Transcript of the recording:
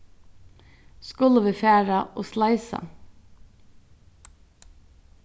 skulu vit fara og sleisa